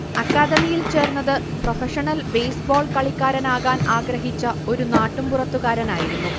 അക്കാദമിയിൽചേർന്നത് professional baseball കളിക്കാരനാകാൻ ആഗ്രഹിച്ച ഒരു നാട്ടുമ്പുറത്തുകാരനായിരുന്നു